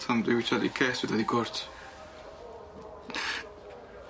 Tan dwi witsiad i'r ces fi dod i gwrt.